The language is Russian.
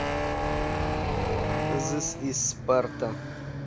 зыс из спарта